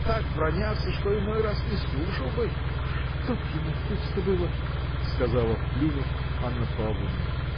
так бранятся, что иной раз не слушал бы. – Чтоб ему пусто было! – сказала, плюнув, Анна Павловна.